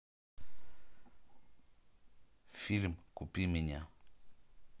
фильм купи меня